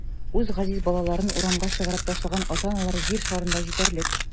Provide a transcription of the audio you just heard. Үз газиз балаларын урамга чыгарып ташлаган ата-аналар җир шарында җитәрлек.